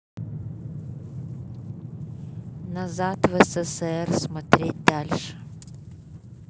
назад в ссср смотреть дальше